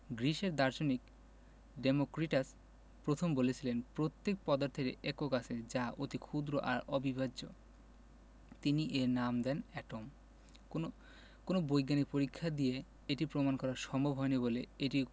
গ্রিসের দার্শনিক ডেমোক্রিটাস প্রথম বলেছিলেন প্রত্যেক পদার্থের একক আছে যা অতি ক্ষুদ্র আর অবিভাজ্য তিনি এর নাম দেন এটম কোনো বৈজ্ঞানিক পরীক্ষা দিয়ে এটি প্রমাণ করা সম্ভব হয়নি বলে এটি